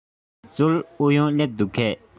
ངལ རྩོལ ཨུ ཡོན སླེབས འདུག གས